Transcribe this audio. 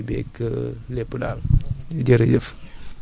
vraiment ñi ngi sant ñépp di gërëm ñépp